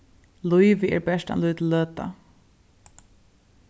lívið er bert ein lítil løta